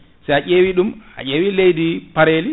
sa ƴewi ɗum a ƴeewi leydi pareri